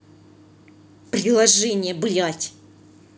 приложение блядь